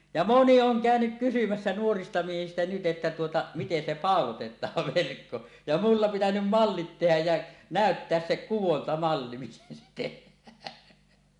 ja moni on käynyt kysymässä nuorista miehistä nyt että tuota miten se pauloitetaan verkko ja minulla pitänyt mallit tehdä ja näyttää se kudontamalli miten se tehdään